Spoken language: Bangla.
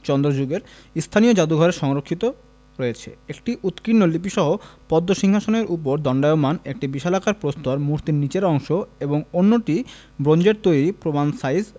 চন্দ্র যুগের স্থানীয় জাদুঘরে সংরক্ষিত হয়েছে একটি উৎকীর্ণ লিপিসহ পদ্ম সিংহাসনের ওপর দণ্ডায়মান একটি বিশালাকার প্রস্তর মূর্তির নিচের অংশ এবং অন্যটি ব্রোঞ্জের তৈরী প্রমাণ সাইজ